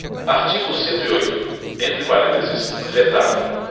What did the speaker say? artigo cento e oito entre parênteses vetado